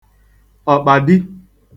ọ̀kpàdi